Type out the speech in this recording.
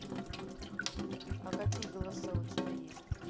а какие голоса у тебя есть